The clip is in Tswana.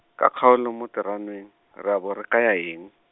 ka kgaolo mo terameng, re a bo re kaya eng?